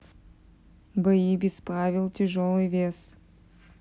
бои без правил тяжелый вес